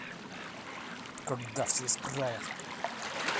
когда все исправят